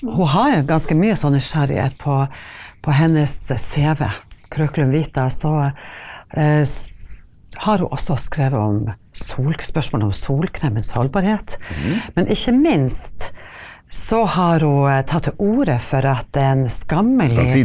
hun har jo ganske mye sånn nysgjerrighet på på hennes CV curriculum vitae, så har hun også skrevet om spørsmål om solkremens holdbarhet, men ikke minst så har hun tatt til orde for at det er en skammelig.